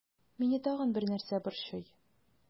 Мине тагын бер нәрсә борчый.